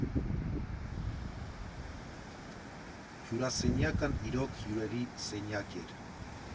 Հյուրասենյակն իրոք հյուրերի սենյակ էր։